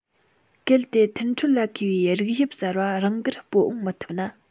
གལ ཏེ མཐུན འཕྲོད ལ མཁས པའི རིགས དབྱིབས གསར པ རང དགར སྤོ འོངས མི ཐུབ ན